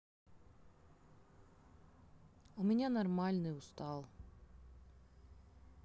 у меня нормальный устал